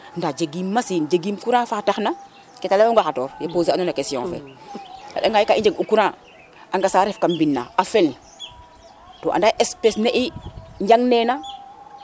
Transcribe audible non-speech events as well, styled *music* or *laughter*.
nda jegim machine jegim courant fa tax na ke te leyonga xator ye poser a nona question fe *laughs* a re anga ka i njeg u courant a ngas a ref kam mbina a fel te ande espece ne i njale na